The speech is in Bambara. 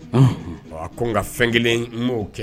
Ɔ a ko n nka fɛn kelen mɔgɔwo kɛ